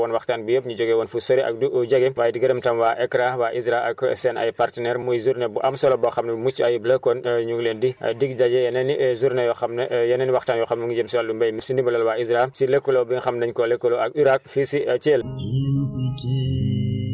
kon ñu gërëm di sant ñi nga xam ne ñoo teewee woon waxtaan bi yëpp ñi jóge woon fu sori ak bu jege waaye di gërëm tam waa AICRA waa ISRA ak seen ay partenaires muy journée bu am solo boo xam ne bu mucc ayib la kon ñu ngi leen di dig daje yeneen i journées yoo xam ne yeneen waxtaan yoo xam mu ngi jëm si wàllu mbéy mi si ndimbalal waa µISRA si lëkkaloo bi nga xam ne dañ koo lëkkaloo ak URAC fii si Thiel